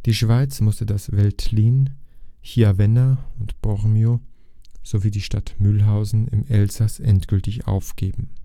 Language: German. Schweiz musste das Veltlin, Chiavenna und Bormio sowie die Stadt Mülhausen im Elsass endgültig aufgeben